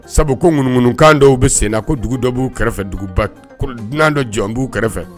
Sabu ko ŋunuunkan dɔw u bɛ sen na dugu dɔ b'u kɛrɛfɛ dugu dunan dɔ jɔn b'u kɛrɛfɛ